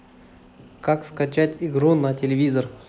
как скачать игру на телевизор